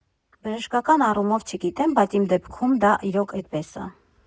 Բժշկական առումով չգիտեմ, բայց իմ դեպքում դա իրոք էդպես ա։